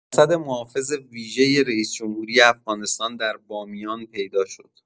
جسد محافظ ویژه رئیس‌جمهوری افغانستان در بامیان پیدا شد